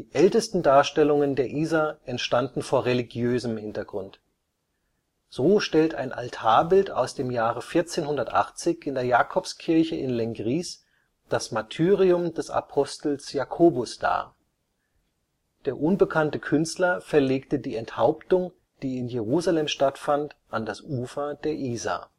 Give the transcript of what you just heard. ältesten Darstellungen der Isar entstanden vor religiösem Hintergrund. So stellt ein Altarbild aus dem Jahre 1480 in der Jakobskirche in Lenggries das Martyrium des Apostels Jakobus dar. Der unbekannte Künstler verlegte die Enthauptung, die in Jerusalem stattfand, an das Ufer der Isar